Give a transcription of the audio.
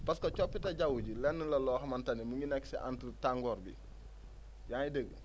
parce que coppite jaww ji lenn la loo xamante ni mu ngi nekk si entre tàngoor bi yaa ngi dégg